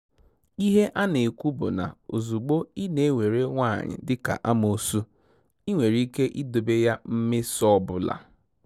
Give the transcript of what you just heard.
Ihe a na-ekwu bụ na ozugbo ị na-ewere nwaanyị dịka amoosu, ị nwere ike idobe ya mmeso ọ bụla.